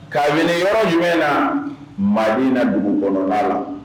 Kabini yɔrɔ jumɛn na ma na dugu kɔnɔda la